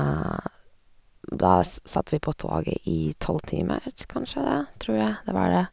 Da s satt vi på toget i tolv timer, kanskje det, tror jeg, det var det.